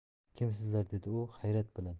kimsizlar dedi u hayrat bilan